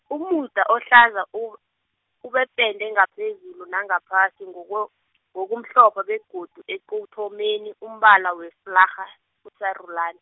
umuda ohlaza, ub-, ubupente ngaphezulu nangaphasi ngoko- , ngokumhlophe begodu ekuthomeni umbala weflarha, usarulani.